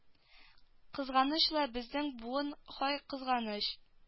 Кызганыч ла безнең буын һай кызганыч